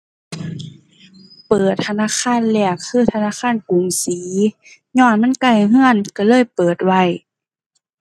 เปิดธนาคารแรกคือธนาคารกรุงศรี ญ้อนมันใกล้เรือนเรือนเลยเปิดไว้